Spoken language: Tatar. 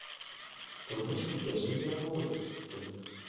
Тормыш иптәшем дә авырып китте.